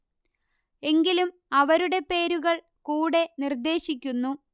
എങ്കിലും അവരുടെ പേരുകൾ കൂടെ നിർദ്ദേശിക്കുന്നു